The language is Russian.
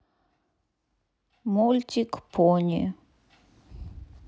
мультик пони